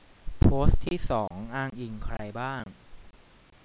โพสต์ที่สองอ้างอิงใครบ้าง